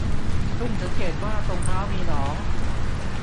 พึ่งสังเกตว่าตรงเท้ามีหนอง